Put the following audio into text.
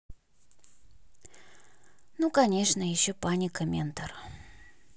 ну конечно еще паника ментор